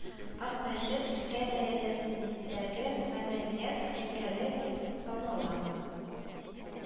Ак мәчет өлкә дәрәҗәсендәге мәдәниять һәйкәле дип санала